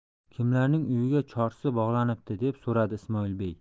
kimlarning uyiga chorsi bog'lanibdi deb so'radi ismoilbey